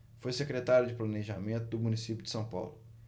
foi secretário de planejamento do município de são paulo